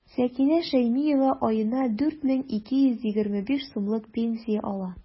Сәкинә Шәймиева аена 4 мең 225 сумлык пенсия ала.